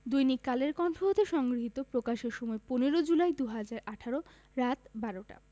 দৈনিক কালের কন্ঠ হতে সংগৃহীত প্রকাশের সময় ১৫ জুলাই ২০১৮ রাত ১২টা